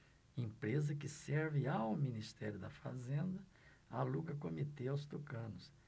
empresa que serve ao ministério da fazenda aluga comitê aos tucanos